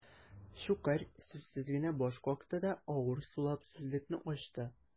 Щукарь сүзсез генә баш какты да, авыр сулап сүзлекне ачты.